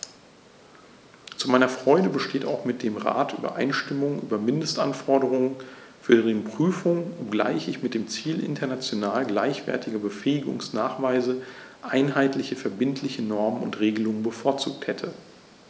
Zu meiner Freude besteht auch mit dem Rat Übereinstimmung über Mindestanforderungen für deren Prüfung, obgleich ich mit dem Ziel international gleichwertiger Befähigungsnachweise einheitliche verbindliche Normen und Regelungen bevorzugt hätte.